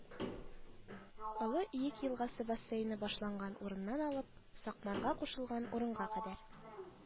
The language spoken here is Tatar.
Олы Иек елгасы бассейны башланган урыннан алып Сакмарга кушылган урынга кадәр